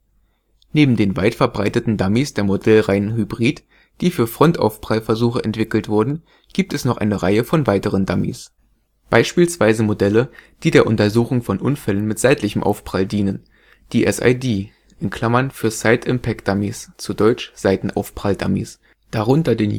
Neben den weit verbreiteten Dummies der Modellreihen Hybrid, die für Frontaufprall-Versuche entwickelt wurden, gibt es noch eine Reihe von weiteren Dummies: Beispielsweise Modelle, die der Untersuchung von Unfällen mit seitlichem Aufprall dienen, die SID (für side impact dummies (engl), zu deutsch Seitenaufprall-Dummies): Darunter den